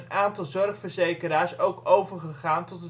aantal zorgverzekeraars ook overgegaan tot